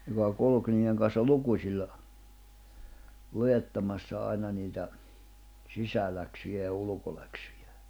joka kulki niiden kanssa lukusilla luettamassa aina niitä sisäläksyjä ja ulkoläksyjä